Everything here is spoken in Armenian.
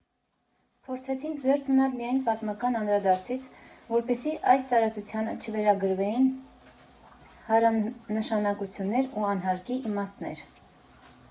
Փորձեցինք զերծ մնալ միայն պատմական անդրադարձից, որպեսզի այս տարածությանը չվերագրվեին հարանշանակություններ ու անհարկի իմաստներ։